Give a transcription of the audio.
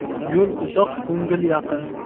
yo'l uzoq ko'ngil yaqin